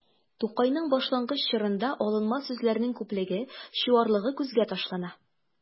Тукайның башлангыч чорында алынма сүзләрнең күплеге, чуарлыгы күзгә ташлана.